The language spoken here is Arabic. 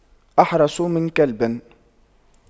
أحرس من كلب